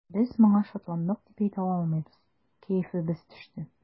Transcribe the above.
Без моңа шатландык дип әйтә алмыйбыз, кәефебез төште.